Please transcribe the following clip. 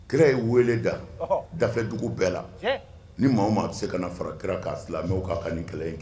Kira ye wele da dafedugu bɛɛ la ni mɔgɔ ma a bɛ se ka fara kira k'a silamɛ mɛ' ka ni kɛlɛ